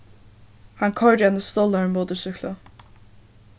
hann koyrdi á eini stolnari motorsúkklu